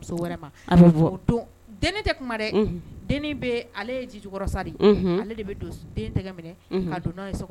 Muso wɛrɛ ma; A bɛ bɔ;O don, denni tɛ kuma dɛ; Unhun; Denni bɛ, ale ye jijukɔrɔ sa de ye; Unhun; Ale de bɛ don den tɛgɛ minɛ ka donna ye so